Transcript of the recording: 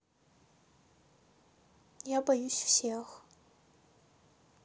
я боюсь всех